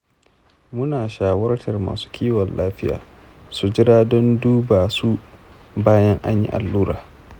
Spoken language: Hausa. muna shawartar masu kiwon lafiya su jira dan duba su bayan anyi allura.